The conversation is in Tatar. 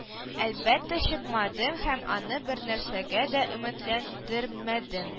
Әлбәттә чыкмадым һәм аны бернәрсәгә дә өметләндермәдем